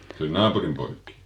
se oli naapurin poikia